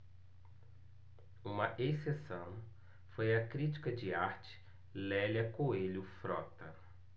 uma exceção foi a crítica de arte lélia coelho frota